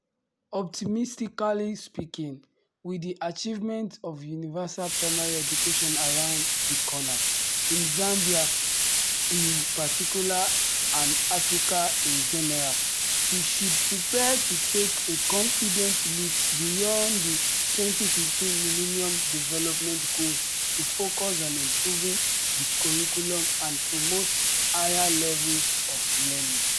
Optimistically speaking, with the achievement of universal primary education around the corner, in Zambia in particular and Africa in general, we should prepare to take a confident leap beyond the 2015 Millennium Development Goals to focus on improving the curriculum and promote higher levels of learning.